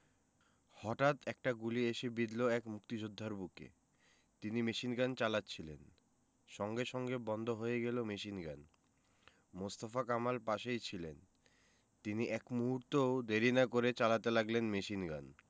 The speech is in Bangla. হটাৎ একটা গুলি এসে বিঁধল এক মুক্তিযোদ্ধার বুকে তিনি মেশিনগান চালাচ্ছিলেন সঙ্গে সঙ্গে বন্ধ হয়ে গেল মেশিনগান মোস্তফা কামাল পাশেই ছিলেন তিনি এক মুহূর্তও দেরি না করে চালাতে লাগলেন মেশিনগান